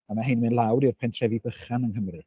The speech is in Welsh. A mae hein yn mynd lawr i'r pentrefi bychan yng Nghymru.